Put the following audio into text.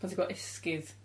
Pan ti'n gwel' esgid.